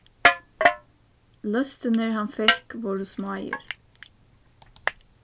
løstirnir hann fekk vóru smáir